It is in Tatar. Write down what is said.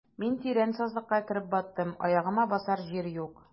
Мин тирән сазлыкка кереп баттым, аягыма басар җир юк.